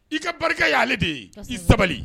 I ka barika y'ale de ye. Kosɛbɛ.I sabali